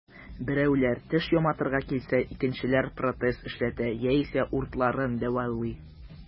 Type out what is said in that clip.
Берәүләр теш яматырга килсә, икенчеләр протез эшләтә яисә уртларын дәвалый.